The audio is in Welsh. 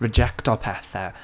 Rejecto pethe.